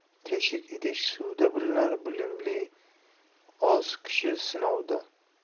teshik idish suvda bilinar bilimi oz kishi sinovda